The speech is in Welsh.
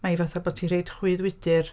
Mae hi fatha ei bod hi'n rhoi chwyddwydr.